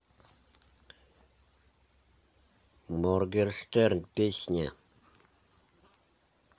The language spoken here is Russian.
моргенштерн песня